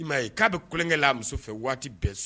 Ko'a bɛ kolonkɛla muso fɛ waati bɛɛ so